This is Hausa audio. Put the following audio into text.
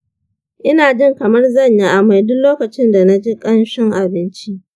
ina jin kamar zan yi amai duk lokacin da na ji ƙamshin abinci.